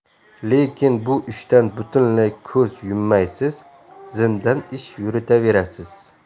lekin bu ishdan butunlay ko'z yummaysiz zimdan ish yuritaverasiz